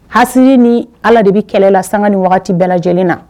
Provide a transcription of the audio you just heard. Ha ni ala de bɛ kɛlɛ la san ni bɛɛ lajɛlen na